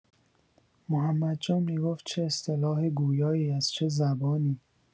محمد جان می‌گفت چه اصطلاح گویایی از چه زبانی